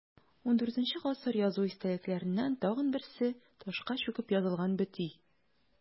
ХIV гасыр язу истәлекләреннән тагын берсе – ташка чүкеп язылган бөти.